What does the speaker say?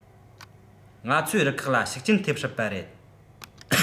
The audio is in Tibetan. ང ཚོའི རུ ཁག ལ ཤུགས རྐྱེན ཐེབས སྲིད པ རེད